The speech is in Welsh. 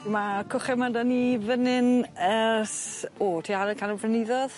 Ma' cwch yma 'dyn ni fyn 'yn ers o tua anner can o flyniddodd.